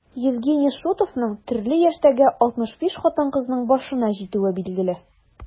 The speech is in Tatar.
Евгений Шутовның төрле яшьтәге 65 хатын-кызның башына җитүе билгеле.